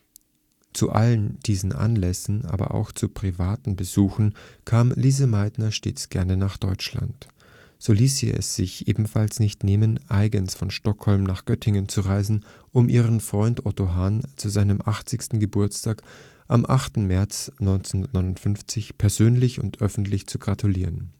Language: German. Zu allen diesen Anlässen, aber auch zu privaten Besuchen kam Lise Meitner stets gerne nach Deutschland. So liess sie es sich ebenfalls nicht nehmen eigens von Stockholm nach Göttingen zu reisen, um ihrem Freund Otto Hahn zu seinem 80. Geburtstag am 8. März 1959 persönlich und öffentlich zu gratulieren